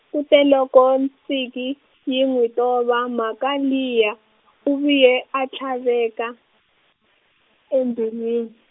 kute loko Tsinkie yi n'wi tova mhaka leyi, u vuye a tlhaveka, embilwini.